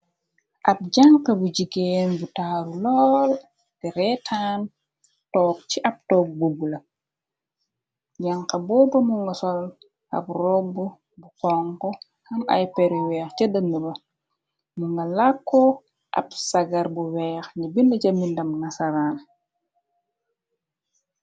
Ab janq bu jigéen bu taaru lool de reetaan toog ci ab togg buggu la janxa booba mu nga sol ab robb bu ponk am ay periweer ca dënn ba nu nga làkkoo ab sagar bu weex ni bind ca mindam nga saraan.